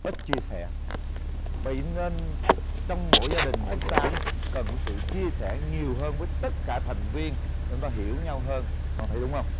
ít chia sẻ vậy nên trong mỗi gia đình của chúng ta cần có sự chia sẻ nhiều hơn với tất cả thành viên để chúng ta hiểu nhau hơn con thấy đúng không